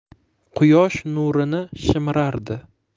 quyosh nurini shimirardi